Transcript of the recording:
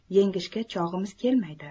yengishga chog'imiz kelmaydi